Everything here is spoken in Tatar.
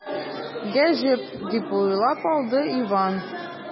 “гаҗәп”, дип уйлап алды иван.